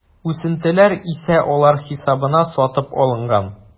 Үсентеләр исә алар хисабына сатып алынган.